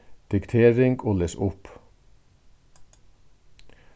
diktering og les upp